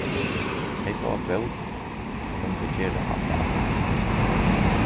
tey fáa bót um tey gera hatta aftur